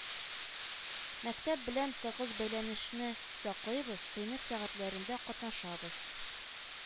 Мәктәп белән тыгыз бәйләнешне саклыйбыз, сыйныф сәгатьләрендә катнашабыз